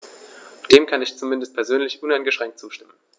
Dem kann ich zumindest persönlich uneingeschränkt zustimmen.